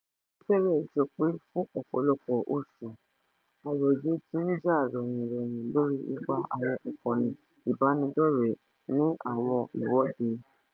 Ó fẹ́rẹ̀ jọ pé fún ọ̀pọ̀lọpọ̀ oṣù, àròyé ti ń jà ròhìnròhìn lórí ipa àwọn ìkànnì ìbánidọ́rẹ̀ẹ́ ní àwọn ìwọ́de.